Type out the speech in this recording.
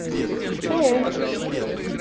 skyeng